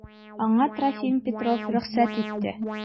Аңа Трофим Петров рөхсәт итте.